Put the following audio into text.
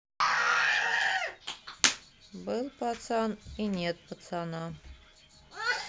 был пацан и нет пацана